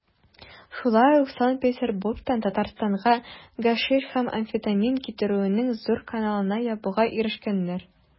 Шулай ук Санкт-Петербургтан Татарстанга гашиш һәм амфетамин китерүнең зур каналын ябуга ирешкәннәр.